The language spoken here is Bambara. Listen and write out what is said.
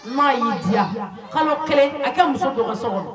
Maa y'i diya kalo kelen a kɛ muso so kɔnɔ